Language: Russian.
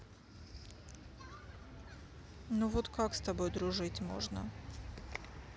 ну вот как с тобой дружить можно